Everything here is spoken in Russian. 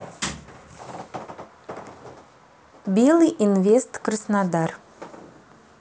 белый инвест краснодар